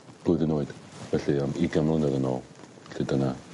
Blwyddyn oed felly yym ugian mlynedd yn ôl credu dyna